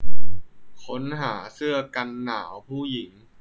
ค้นหาเสื้อผ้าผู้หญิง